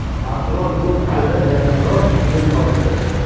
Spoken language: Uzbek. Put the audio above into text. asror bu fikrdan yana bir oz yengil tortdi